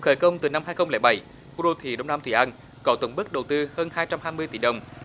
khởi công từ năm hai không lẻ bảy khu đô thị đông nam thị an có tổng mức đầu tư hơn hai trăm hai mươi tỷ đồng